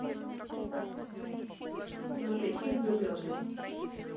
смотреть фильм влюбленные